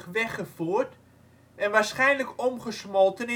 weggevoerd en waarschijnlijk omgesmolten